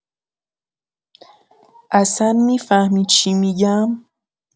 اصا می‌فهمی چی می‌گم؟